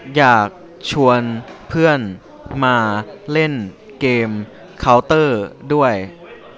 อยากชวนเพื่อนมาเล่นเกมเค้าเตอร์ด้วย